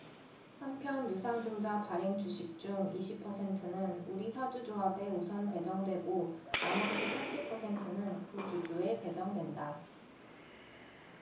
한편 유상증자 발행주식 중 이십 퍼센트는 우리사주조합에 우선 배정되고 나머지 팔십 퍼센트는 구주주에 배정된다